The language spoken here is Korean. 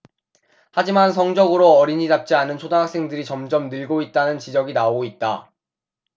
하지만 성적으로 어린이 답지 않은 초등학생들이 점점 늘고 있다는 지적이 나오고 있다